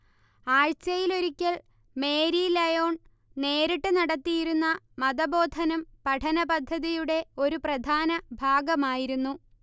ആഴ്ചയിലൊരിക്കൽ Mary Lyon നേരിട്ടു നടത്തിയിരുന്ന മതബോധനം പഠനപദ്ധതിയുടെ ഒരു പ്രധാന ഭാഗമായിരുന്നു